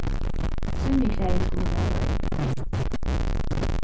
svimjiklæði skulu vera rein